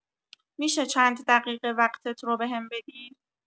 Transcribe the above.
می‌شه چند دقیقه وقتت رو بهم بدی؟